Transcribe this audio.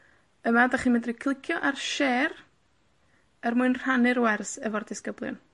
Yma, 'dach chi'n medru clicio ar Share, er mwyn rhannu'r wers efo'r disgyblion.